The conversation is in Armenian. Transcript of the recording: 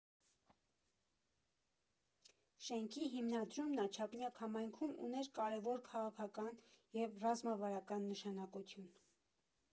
Շենքի հիմնադրումն Աջափնյակ համայնքում ուներ կարևոր քաղաքական և ռազմավարական նշանակություն։